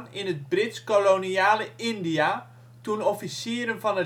in het Brits-koloniale India, toen officieren van